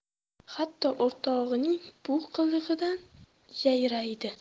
hatto o'rtog'ining bu qilig'idan yayraydi